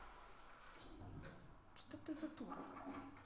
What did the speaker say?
что ты за турок